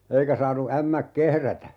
eikä saanut ämmät kehrätä